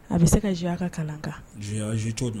A bɛ se ka ji a ka kalan kan juguya z cogoo jumɛn